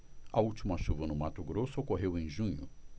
a última chuva no mato grosso ocorreu em junho